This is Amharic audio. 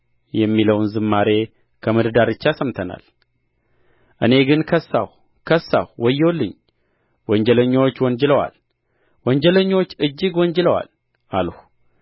የሚለውን ዝማሬ ከምድር ዳርቻ ሰምተናል እኔ ግን ከሳሁ ከሳሁ ወዮልኝ ወንጀለኞች ወንጅለዋል ወንጀለኞች እጅግ ወንጅለዋል አልሁ